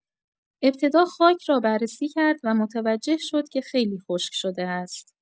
ابتدا خاک را بررسی کرد و متوجه شد که خیلی خشک شده است.